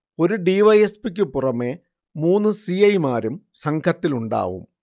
ഒരു ഡി. വൈ. എസ്. പിക്കു പുറമെ മൂന്ന് സി. ഐ. മാരും സംഘത്തിലുണ്ടാവും